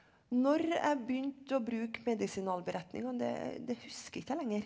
når jeg begynte å bruke medisinalberetningene det det husker jeg ikke lenger.